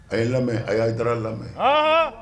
A y'i lamɛn a y'a jara lamɛn